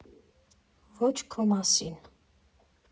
Ոչ քո մասին։